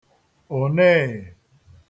ònee